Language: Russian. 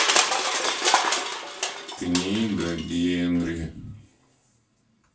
книга генри